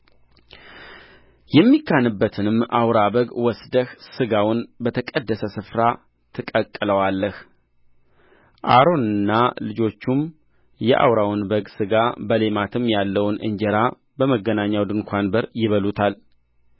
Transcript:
የሚካንበትንም አውራ በግ ወስደህ ሥጋውን በተቀደሰ ስፍራ ትቀቅለዋለህ አሮንና ልጆቹም የአውራውን በግ ሥጋ በሌማትም ያለውን እንጀራ በመገናኛው ድንኳን በር ይበሉታል